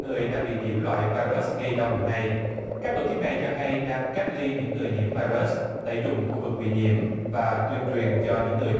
người đã bị nhiễm loại vai rớt gây đau buồn này các tổ chức này cho hay đang cách ly những người nhiễm vai rớt tẩy trùng khu vực bị nhiễm và tuyên truyền cho những người